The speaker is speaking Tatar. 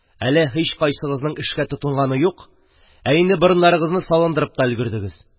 Әле һичкайсыгызның эшкә тотынганы юк, ә инде борын салындырып та өлгердегез!